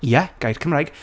Ie, gair Cymraeg.